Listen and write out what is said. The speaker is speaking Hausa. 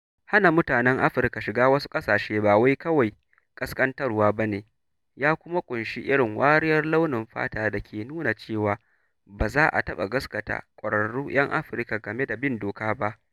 Hana mutanen Afirka shiga wasu ƙasashe ba wai kawai ƙasƙantarwa ba ne - ya kuma ƙunshi irin wariyar launin fata da ke nuna cewa ba za a taɓa gasgata ƙwararru 'yan Afirka game da bin doka ba.